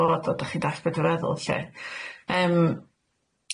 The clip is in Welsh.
fod o dach chi'n dallt be' dwi feddwl lle yym